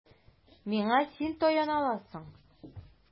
Миңа син таяна аласың.